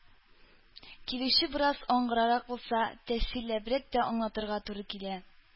Килүче бераз аңгырарак булса, тәфсилләбрәк тә аңлатырга туры килә.